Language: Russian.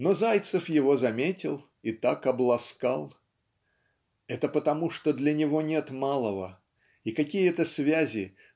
но Зайцев его заметил и так обласкал. Это потому что для него нет малого и какие-то связи